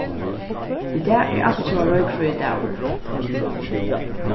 í dag er altjóða roykfríur dagur